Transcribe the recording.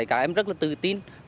các em rất tự tin